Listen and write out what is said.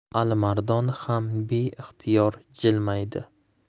alimardon ham beixtiyor jilmaydi